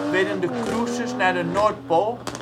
werden de cruises naar de Noordpool